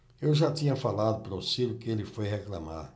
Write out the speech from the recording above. eu já tinha falado pro ciro que ele foi reclamar